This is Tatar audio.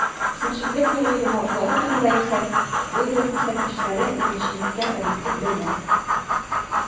Үсемлекчелек елы йомгаклары турында әйтсәк, бу ел күрсәткечләре - игенчелеккә объектив бәя.